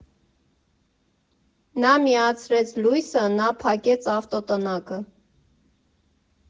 Նա միացրեց լույսը, նա փակեց ավտոտնակը։